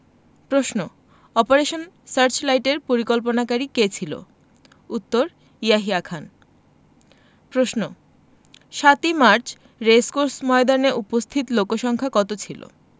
প্রশ্ন অপারেশন সার্চলাইটের পরিকল্পনাকারী কে ছিল উত্তর ইয়াহিয়া খান প্রশ্ন ৭ই মার্চ রেসকোর্স ময়দানে উপস্থিত লোকসংখ্যা কত ছিলো